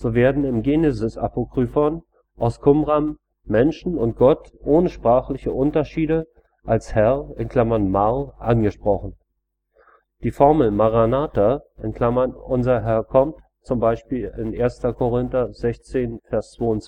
werden im Genesis-Apokryphon aus Qumran Menschen und Gott ohne sprachlichen Unterschied als Herr (mar) angesprochen. Die Formel Maranatha („ Unser Herr, komm! “, z. B. in 1 Kor 16,22